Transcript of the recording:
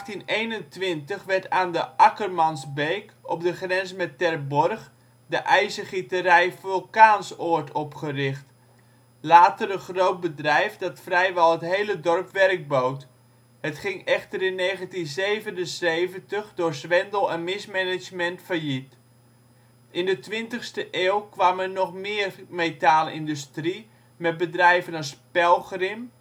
In 1821 werd aan de Akkermansbeek, op de grens met Terborg, de ijzergieterij Vulcaansoord opgericht, later een groot bedrijf dat vrijwel het hele dorp werk bood, het ging echter in 1977 door zwendel en mismanagement failliet. In de twintigste eeuw kwam er nog meer metaalindustrie, met bedrijven als Pelgrim